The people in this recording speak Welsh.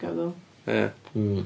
Meddwl... Ie.... Mm....